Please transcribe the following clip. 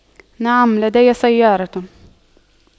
نعم لدي سيارة